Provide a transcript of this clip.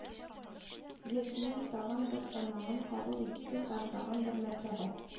Ешнең тагын бер сынавын кабул итте һәм тагын бер мәртәбә